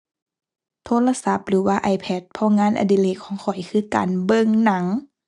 โทรศัพท์หรือว่า iPad เพราะงานอดิเรกของข้อยคือการเบิ่งหนัง